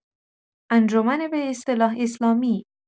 انجمن به اصطلاح اسلامی